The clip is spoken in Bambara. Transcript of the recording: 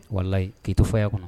Wala k'i to foyiya kɔnɔ